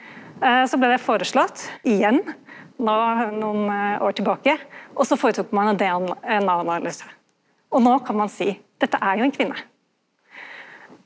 så blei det foreslått igjen no nokon år tilbake og så føretok ein ein DNA-analyse og no kan ein seie dette er jo ein kvinne.